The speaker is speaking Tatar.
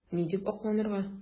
Ни дип акланырга?